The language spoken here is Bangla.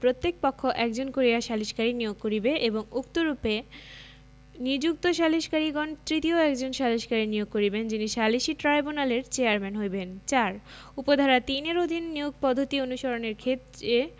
প্রত্যেক পক্ষ একজন করিয়া সালিসকারী নিয়োগ করিবে এবং উক্তরূপে নিযুক্ত সালিককারীগণ তৃতীয় একজন সালিসকারী নিয়োগ করিবেন যিনি সালিসী ট্রাইব্যুনালের চেয়ারম্যান হইবেন ৪ উপ ধারা ৩ এর অধীন নিয়োগ পদ্ধতি অনুসারণের ক্ষেত্রে